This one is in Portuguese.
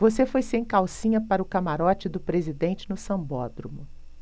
você foi sem calcinha para o camarote do presidente no sambódromo